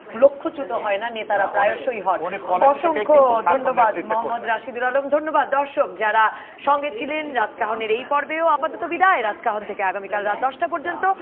লক্ষ্যচ্যুত হয় না নেতারা প্রায়ই হন উনি কলেজ থেকে কিন্তু ছাত্র নেতৃত্ব করছে অসংখ্য ধন্যবাদ মোঃ রাশেদুল আলম ধন্যবাদ দর্শক যারা সঙ্গে ছিলেন রাজকাহন এর এই পর্বে ও আপাতত বিদায় রাজকাহন থেকে আগামী কাল রাত ১০ টা পর্যন্ত